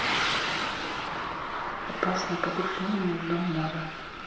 опасное погружение на дно моря